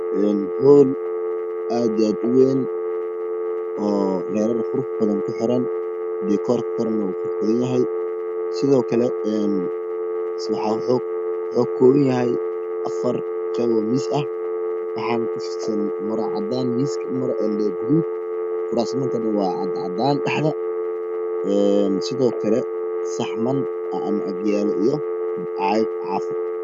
Halkan waa hool wax yalo misas iyo kuras kalar kode waa baar iyo cades waa saran saxaman cadan ah iyo biyo cafi